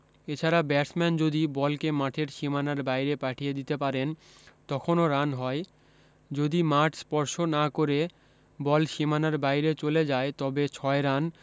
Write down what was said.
এছাড়া ব্যাটসম্যান যদি বলকে মাঠের সীমানার বাইরে পাঠিয়ে দিতে পারেন তখনও রান হয় যদি মাঠ স্পর্শ না করে বল সীমানার বাইরে চলে যায় তবে ছয় রান